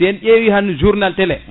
sen ƴeewi han journal télé